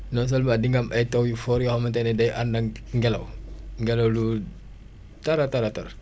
non seulement di nga am ay taw yu fort yoo xamante ne day ànd ak ngelaw ngelaw lu tar a tar a tar